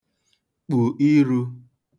kpù irū